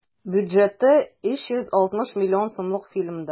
Бюджеты 360 миллион сумлык фильмда.